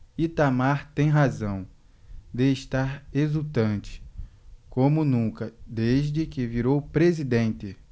itamar tem razão de estar exultante como nunca desde que virou presidente